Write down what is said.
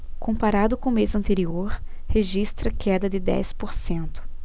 comparado com o mês anterior registra queda de dez por cento